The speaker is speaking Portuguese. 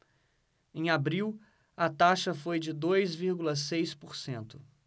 em abril a taxa foi de dois vírgula seis por cento